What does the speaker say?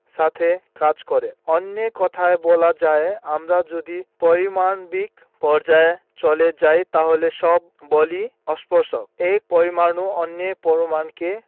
সাথে কাজ করছে অন্য কথায় বলা যায় আমরা যদি পারমাণবিক পর্যায়ে চলে যাই তাহলে সব বলই অস্পর্শক এক পরমাণু অন্য পরমাণুকে